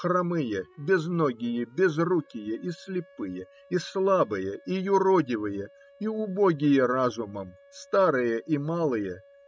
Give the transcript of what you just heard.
хромые, безногие, безрукие, и слепые, и слабые, и юродивые, и убогие разумом, старые и малые.